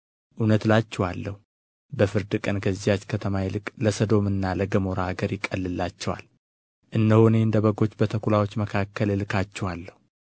እውነት እላችኋለሁ በፍርድ ቀን ከዚያች ከተማ ይልቅ ለሰዶምና ለገሞራ አገር ይቀልላቸዋል እነሆ እኔ እንደ በጎች በተኵላዎች መካከል እልካችኋለሁ